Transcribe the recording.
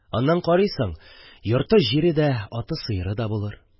Аннан, карыйсың, – йорты-җире дә, аты-сыеры да булыр.